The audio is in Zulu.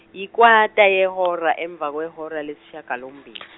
ikwata yehora emva kwehora lesishagalombili.